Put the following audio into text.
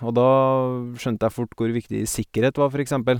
Og da skjønte jeg fort hvor viktig sikkerhet var, for eksempel.